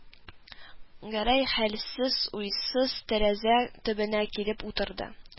Гәрәй хәлсез, уйсыз тәрәзә төбенә килеп утырды